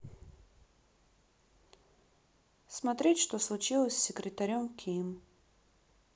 смотреть что случилось с секретарем ким